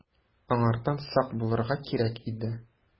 Аңардан сак булырга кирәк иде.